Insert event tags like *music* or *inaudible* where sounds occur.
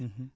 *hesitation* *hesitation*